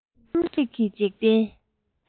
རྩོམ རིག གི འཇིག རྟེན